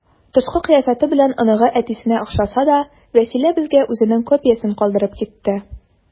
Тышкы кыяфәте белән оныгы әтисенә охшаса да, Вәсилә безгә үзенең копиясен калдырып китте.